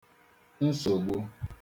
nsògbu